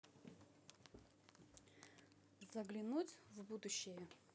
заглянуть в будущее